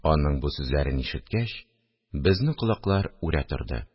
Аның бу сүзләрен ишеткәч, безнең колаклар үрә торды